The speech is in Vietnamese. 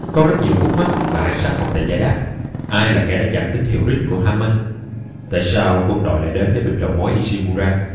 có rất nhiều khúc mắc mà isaac không thể giải đáp ai là kẻ đã chặn tín hiệu rig của hammond tại sao quân đội lại đến để bịt đầu mối ishimura